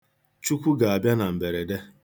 Chukwu ga-abịa na mberede.